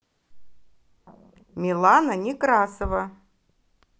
милана некрасова